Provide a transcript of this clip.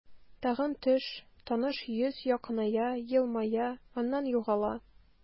Тагын төш, таныш йөз якыная, елмая, аннан югала.